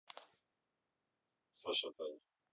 саша таня